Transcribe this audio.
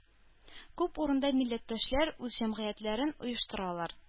Күп урында милләттәшләр үз җәмгыятьләрен оештыралар